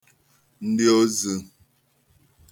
ndịozə̄